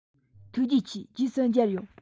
ཐུགས རྗེ ཆེ རྗེས སུ མཇལ ཡོང